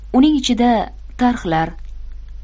uning ichida tarhlar